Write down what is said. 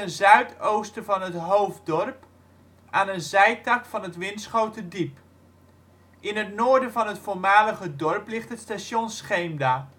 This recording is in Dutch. zuid-oosten van het hoofddorp, aan een zijtak van het Winschoterdiep. In het noorden van het voormalige dorp ligt het Station Scheemda